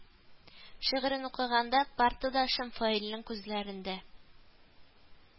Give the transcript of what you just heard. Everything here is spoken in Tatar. Шигырен укыганда, партадашым фаилнең күзләрендә